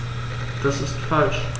Das ist falsch.